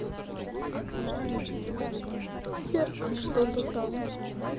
сердце что то там